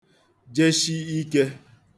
jeshi ikē